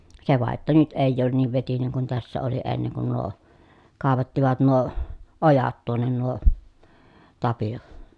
se vain että nyt ei ole niin vetinen kuin tässä oli ennen kuin nuo kaivattivat nuo ojat tuonne nuo Tapio